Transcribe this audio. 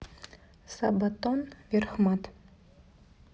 сабатон вермахт